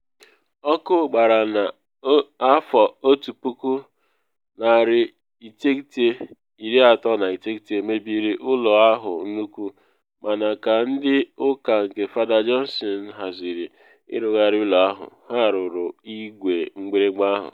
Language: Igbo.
Ọkụ gbara na 1939 mebiri ụlọ ahụ nnukwu, mana ka ndị ụka nke Fada Johnson haziri ịrụgharị ụlọ ahụ, ha rụrụ igwe mgbịrịmgba ahụ.